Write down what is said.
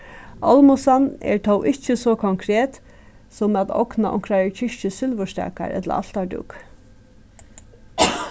olmussan er tó ikki so konkret sum at ogna onkrari kirkju silvurstakar ella altardúk